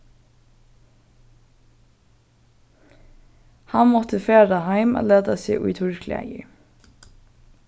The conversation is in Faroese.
hann mátti fara heim at lata seg í turr klæðir